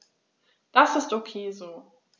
Das ist ok so.